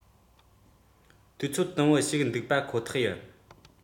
འཕེལ མེད སོར གནས སུ ལུས ངེས རེད